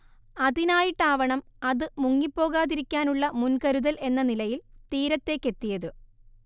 അതിനായിട്ടാവണം അത് മുങ്ങിപ്പോകാതിരിക്കാനുള്ള മുൻ‌കരുതൽ എന്ന നിലയിൽ തീരത്തേക്കെത്തിയത്